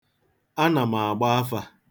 Ana m agba afa.